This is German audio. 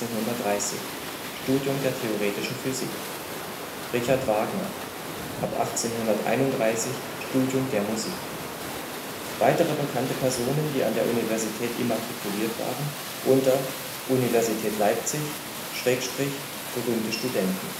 1930, Studium der theoretischen Physik Richard Wagner, ab 1831, Studium der Musik Weitere bekannte Personen, die an der Universität immatrikuliert waren, unter Universität Leipzig/Berühmte Studenten